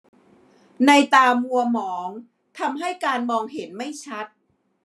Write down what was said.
นัยน์ตามัวหมองทำให้การมองเห็นไม่ชัด